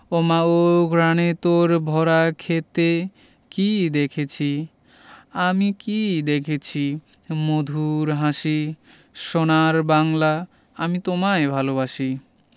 ও মা ওঘ্রানে তোর ভরা ক্ষেতে কী দেখেছি আমি কী দেখেছি মধুর হাসি সোনার বাংলা আমি তোমায় ভালোবাসি